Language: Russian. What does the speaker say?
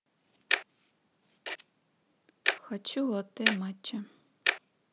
хочу латте матча